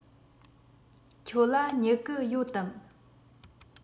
ཁྱོད ལ སྨྱུ གུ ཡོད དམ